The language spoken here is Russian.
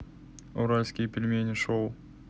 уральские пельмени шоу